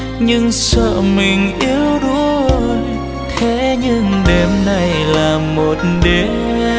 nhưng sợ mình yếu đuối thế nhưng đêm nay là một đêm